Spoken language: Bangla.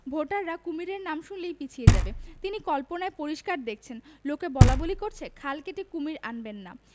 ভোটাররা কুমীরের নাম শুনলেই পিছিয়ে যাবে তিনি কল্পনায় পরিষ্কার দেখছেন লোকে বলাবলি করছে খাল কেটে কুশীর আনবেন না